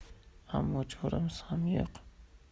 ammo choramiz ham yo'q